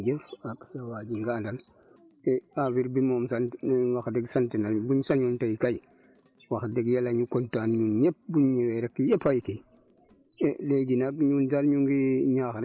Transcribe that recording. yow Aliou Sow maa ngi leen di nuyu jërë ngeen jëf ak sa waa ji nga àndal et affaire bi moom tamit ñun wax dëgg sant nañu buñ sañoon tey kay wax dëgg yàlla ñu kontaan ñun ñëpp buñ ñëwee rek ñëpp ay kii